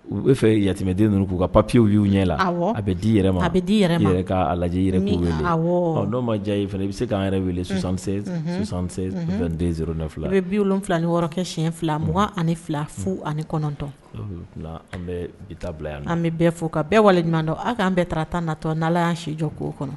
U e fɛ yamɛden ninnu k'u ka papiwu u y'u ɲɛ la a bɛ di yɛrɛ ma a bɛ di yɛrɛ' lajɛji yɛrɛ' n'o ma diya fana i bɛ se k'an yɛrɛ wele susansanden ne fila bɛ bi wolonwula nikɛ siyɛn fila mɔgɔugan ani fila fu ani kɔnɔntɔn an bɛ bi ta bila yan an bɛ bɛɛ fo ka bɛɛ wale ɲuman don aw anan bɛɛ taa tan natɔ n' y'a si jɔ' kɔnɔ